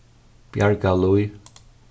bjargalíð